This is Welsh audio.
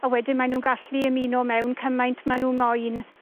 A wedyn mae nw'n gallu ymuno mewn cymaint ma' nw moyn.